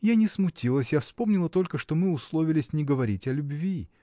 — Я не смутилась, а вспомнила только, что мы условились не говорить о любви.